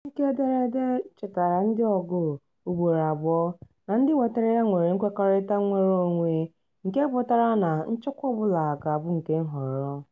Nkenke ederede chetara ndị ọgụụ- ugboro abụọ -na ndị wetere ya nwere nkwekọrịta nnwere onwe, nke pụtara na nchekwa ọbụla ga-abụ nke nhọrọ.